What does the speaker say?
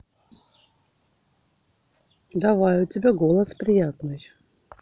давай у тебя голос приятный